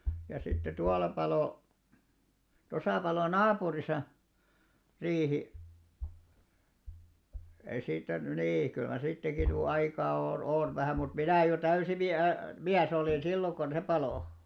ja sitten tuolla paloi tuossa paloi naapurissa riihi ei siitä nyt niin kyllä siitäkin nyt aikaa - on vähän mutta minä jo täysin - mies olin silloin kun se paloi